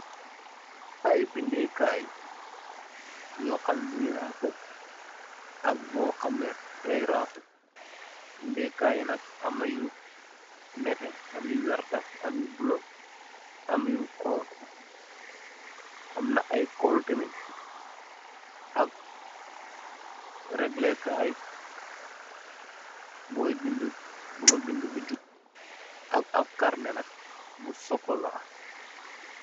Ay bindekaay yoo xamne dunj raffu, ak boo xamne dey raffu, bindekaay yi nak amna yu nete, am yu werta, am yu bula, am yu xonxu, amna ay kol tamin, ak reglekaay, boy binde bu ga binde lu jupp, ak am karne nak bu sokola.